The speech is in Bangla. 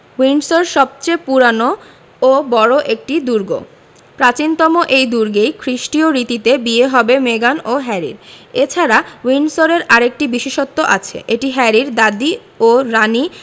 উইন্ডসর সবচেয়ে পুরোনো ও বড় একটি দুর্গ প্রাচীনতম এই দুর্গেই খ্রিষ্টীয় রীতিতে বিয়ে হবে মেগান ও হ্যারির এ ছাড়া উইন্ডসরের আরেকটি বিশেষত্ব আছে এটি হ্যারির দাদি ও রানি